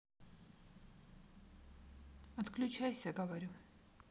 отключайся говорю